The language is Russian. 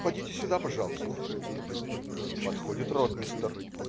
подите сюда, пожалуйста!" Подходит ротмистр.